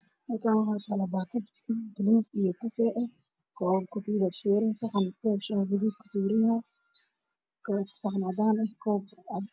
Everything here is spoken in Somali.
Halkaan waxaa taalo baakad gaduud iyo baluugviyo kafay eh koobab kafayga saxan koob shaah gaduud ku sawiran yahay koob saxan cadaan eh koob.